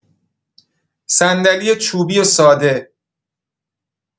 صندلی چوبی و ساده